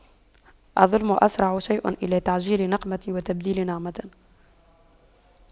الظلم أسرع شيء إلى تعجيل نقمة وتبديل نعمة